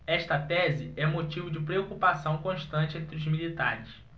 esta tese é motivo de preocupação constante entre os militares